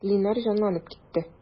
Линар җанланып китте.